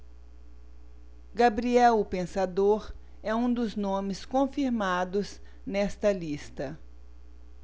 gabriel o pensador é um dos nomes confirmados nesta lista